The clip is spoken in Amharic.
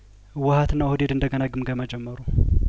ህወሀትና ኦህዴድ እንደገና ግምገማ ጀመሩ